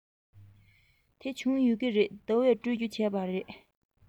དེ བྱུང ཡོད ཀྱི རེད ཟླ བས སྤྲོད རྒྱུ བྱས པ རེད